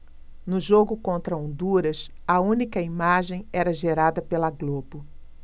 no jogo contra honduras a única imagem era gerada pela globo